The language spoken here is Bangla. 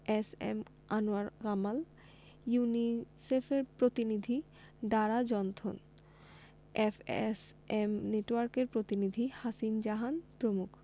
এস এম আনোয়ার কামাল ইউনিসেফের প্রতিনিধি ডারা জনথন এফএসএম নেটওয়ার্কের প্রতিনিধি হাসিন জাহান প্রমুখ